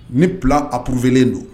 Ni tila a porourvlen don